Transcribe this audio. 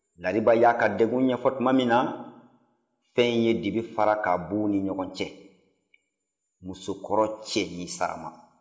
lariba y'a ka degun ɲɛfɔ tuma min na fɛn in ye dibi fara ka bɔ u ni ɲɔgɔn cɛ musokɔrɔnin cɛɲi sarama